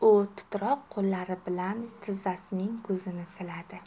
u titroq qo'llari bilan tizzasining ko'zini siladi